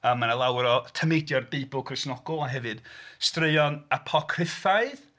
A mae 'na lawr o tameidiau o'r Beibl Cristnogol a hefyd straeon apocryffaidd.